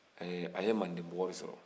eh a ye manden bukari sɔrɔ